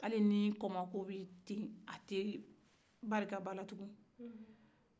hali ni kɔmɔ ko bɛ ye a tɛ bari bala tugnin